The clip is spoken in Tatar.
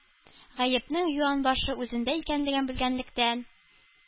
Гаепнең юан башы үзендә икәнлеген белгәнлектән,